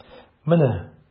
Менә...